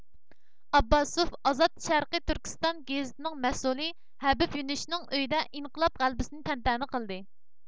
ئابباسوف ئازاد شەرقىي تۈركىستان گېزىتىنىڭ مەسئۇلى ھەبىب يۇنچنىڭ ئۆيىدە ئىنقىلاب غەلىبىسىنى تەنتەنە قىلدى